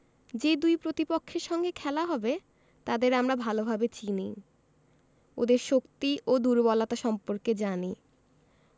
যে দুই প্রতিপক্ষের সঙ্গে খেলা হবে তাদের আমরা ভালোভাবে চিনি ওদের শক্তি ও দুর্বলতা সম্পর্কে জানি